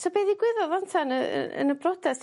Do be' ddigwyddodd 'wan ten yy yy yn y brodas?